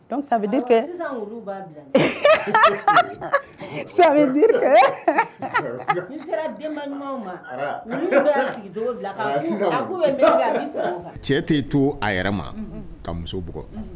Donc ça veut dire que . Sisan olu b'a bila min? . ça veut dire que .. I sera denba ɲumanw ma. Ara. Ni cɛ y'a sigi cogo bila Cɛ tɛ to a yɛrɛ ma. Unhun. Ka muso bugɔ. Unhun.